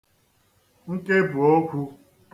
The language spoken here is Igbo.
nkebùokwhū